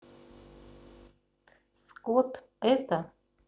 скот это